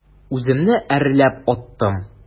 Үземне әрләп аттым.